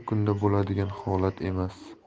kunda bo'ladigan holat emas